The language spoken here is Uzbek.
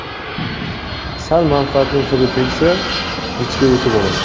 sal manfaatning hidi tegsa vich ga o'tib oladi